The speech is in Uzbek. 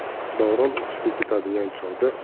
davron o'qishga ketadigan chog'da